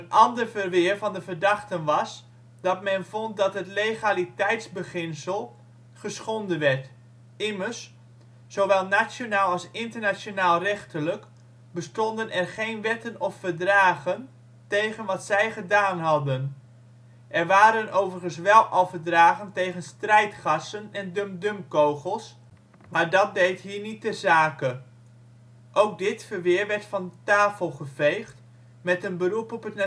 ander verweer van de verdachten was, dat men vond dat het legaliteitsbeginsel geschonden werd. Immers, zowel nationaal - als internationaalrechtelijk bestonden er geen wetten of verdragen tegen wat zij gedaan hadden (er waren overigens wel al verdragen tegen strijdgassen en dumdumkogels, maar dat deed hier niet ter zake). Ook dit verweer werd van de tafel geveegd met een beroep op het natuurrecht